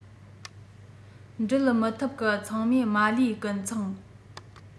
འབྲི མི ཐུབ མཁན ཚང མས མ ལུས ཀུན ཚང